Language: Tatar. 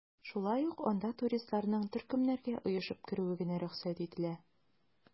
Шулай ук анда туристларның төркемнәргә оешып керүе генә рөхсәт ителә.